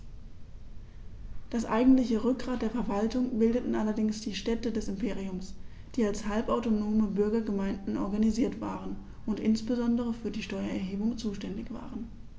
Das eigentliche Rückgrat der Verwaltung bildeten allerdings die Städte des Imperiums, die als halbautonome Bürgergemeinden organisiert waren und insbesondere für die Steuererhebung zuständig waren.